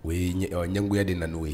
O ye ɲɛngoya de na na n'o ye